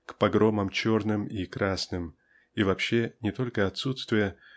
к погромам черным и красным и вообще не только отсутствие